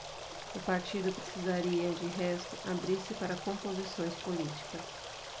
o partido precisaria de resto abrir-se para composições políticas